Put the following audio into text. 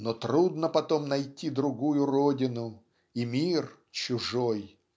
ни трудно потом найти другую родину и мир чужой